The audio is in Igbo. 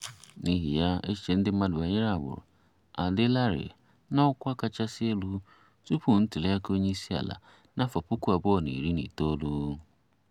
N'ihi ya, echiche ndị mmadụ banyere agbụrụ adịlarị n'ọkwa kachasị elu tupu ntụliaka onyeisiala na 2019.